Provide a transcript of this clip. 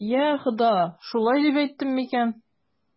Йа Хода, шулай дип әйттем микән?